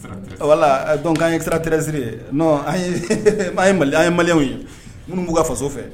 Dɔn an ye sira tɛrezsiri ye ye mali an ye maliw ye minnu b'u ka faso fɛ